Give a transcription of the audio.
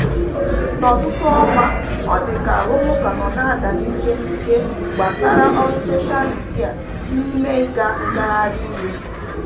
N'ọtụtụ ọnwa ọ dịka arụmụka nọ na-ada n'ike n'ike gbasara ọrụ sosha midia n'ime ịga ngagharị iwe.